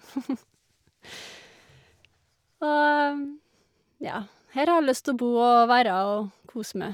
Og, ja, her har jeg lyst å bo og være og kose meg.